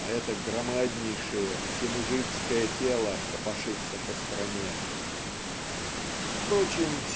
а это "громаднейшее всемужицкое тело копошится по стране". Впрочем